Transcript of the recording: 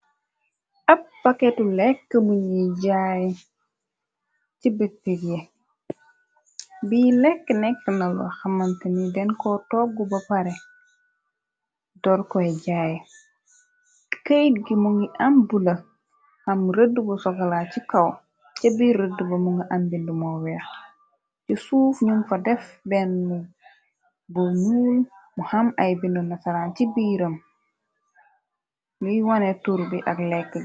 Ab paketu lekk muñuy jaay ci bëktik ye bi lekk nekk na lu xamante ni den ko toggu ba pare dor koy jaay këyit gi mu ngi am bula xam rëddu bu sokola ci kaw ce biir rëdd ba mu nga ambind moo weex ci suuf ñum fa def benn bu nuul mu xam ay bindu nasaraan ci biirëm muy wone tur bi ak lekk gi.